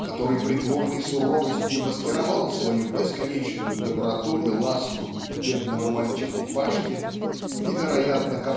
который притворной суровостью маскировал свою бесконечную доброту и ласку к бедному мальчику Пашке и вероятно